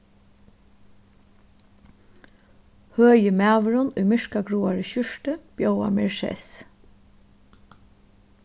høgi maðurin í myrkagráari skjúrtu bjóðar mær sess